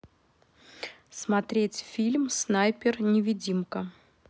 смотреть фильм снайпер невидимка